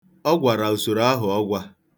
Ọ gwara usoro ahụ ọgwa.